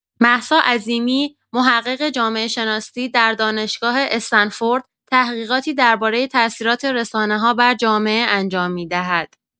مهسا عظیمی، محقق جامعه‌شناسی، در دانشگاه استنفورد تحقیقاتی دربارۀ تاثیرات رسانه‌ها بر جامعه انجام می‌دهد.